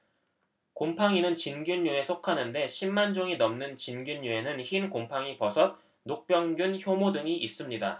곰팡이는 진균류에 속하는데 십 만 종이 넘는 진균류에는 흰곰팡이 버섯 녹병균 효모 등이 있습니다